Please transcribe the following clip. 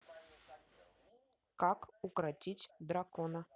как укротить дракона